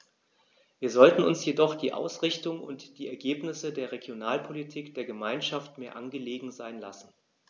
Wir sollten uns jedoch die Ausrichtung und die Ergebnisse der Regionalpolitik der Gemeinschaft mehr angelegen sein lassen.